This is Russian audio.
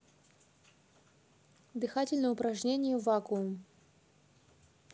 дыхательное упражнение вакуум